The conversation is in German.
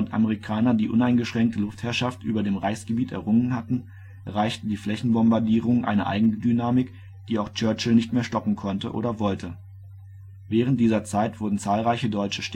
Amerikaner die uneingeschränkte Luftherrschaft über dem Reichsgebiet errungen hatten, erreichten die Flächenbombardierungen eine Eigendynamik, die auch Churchill nicht mehr stoppen konnte oder wollte. Während dieser Zeit wurden zahlreiche deutsche